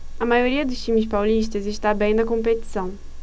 a maioria dos times paulistas está bem na competição